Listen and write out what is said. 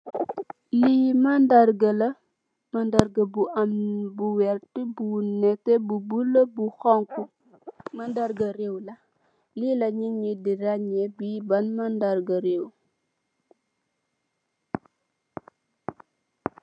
Lii màndarga la màndarga bu am bu wert bu netteh bu bulo bu xonxu màndarga rewla lilaniñi di rañeko bi ban màndarga rew.